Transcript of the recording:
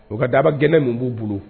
O ka daaba gɛnna min b'u bolo